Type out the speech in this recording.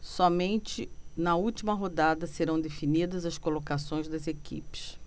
somente na última rodada serão definidas as colocações das equipes